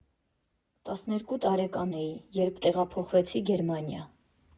Տասներկու տարեկան էի, երբ տեղափոխվեցի Գերմանիա։